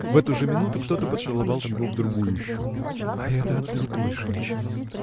В эту же минуту кто-то поцеловал его в другую щеку. — А это от другой женщины!